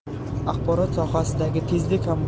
axborot sohasidagi tezlik ham